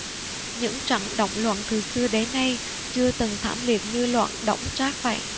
những trận động loạn từ xưa đến nay chưa từng thảm liệt như loạn đổng trác vậy